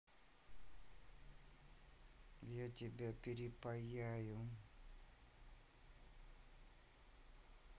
я тебя перепаяю